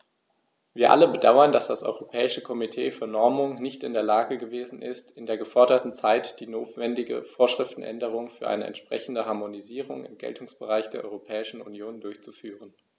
Wir alle bedauern, dass das Europäische Komitee für Normung nicht in der Lage gewesen ist, in der geforderten Zeit die notwendige Vorschriftenänderung für eine entsprechende Harmonisierung im Geltungsbereich der Europäischen Union durchzuführen.